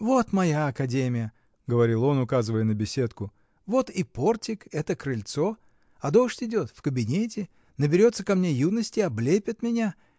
Вот моя академия, — говорил он, указывая на беседку, — вот и портик — это крыльцо, а дождь идет — в кабинете: наберется ко мне юности, облепят меня.